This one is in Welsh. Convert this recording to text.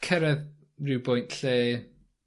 cyredd ryw bwynt lle